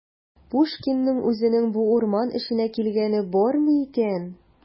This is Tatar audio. Пушкинның үзенең бу урман эченә килгәне бармы икән?